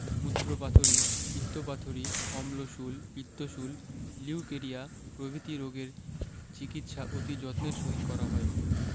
মুত্রপাথড়ী পিত্তপাথড়ী অম্লশূল পিত্তশূল লিউকেরিয়া প্রভৃতি রোগের চিকিৎসা অতি যত্নের সহিত করা হয়